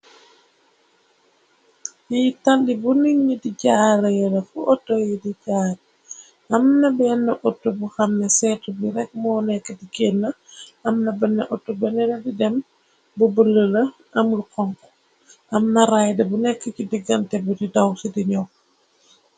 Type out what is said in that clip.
Li talli bu ninyi di jaara yara fu auto yi di jaar amna benn auto bu xamne seetu bi rekk moo nekk diggéena amna benn auto banena di dem bu bula am lu xonko amna raidar bu nekk ci digante bi di daw ci di ñyuw.